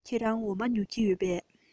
ཁྱེད རང འོ མ ཉོ གི ཡོད པས